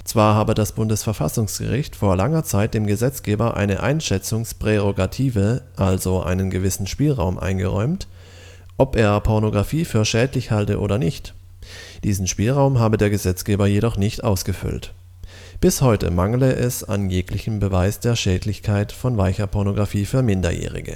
Zwar habe das Bundesverfassungsgericht vor langer Zeit dem Gesetzgeber eine Einschätzungsprärogative (also einen gewissen Spielraum) eingeräumt, ob er Pornografie für schädlich halte oder nicht. Diesen Spielraum habe der Gesetzgeber jedoch nicht ausgefüllt. Bis heute mangele es an jeglichem Beweis der Schädlichkeit von weicher Pornografie für Minderjährige